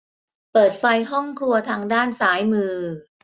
เปิดไฟห้องครัวทางด้านซ้ายมือ